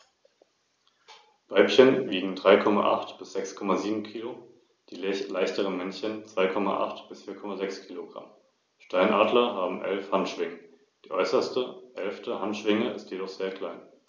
In seiner östlichen Hälfte mischte sich dieser Einfluss mit griechisch-hellenistischen und orientalischen Elementen.